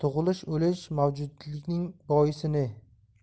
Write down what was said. solardi tug'ilish o'lish mavjudlikning boisi ne